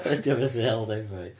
Dio methu hel defaid.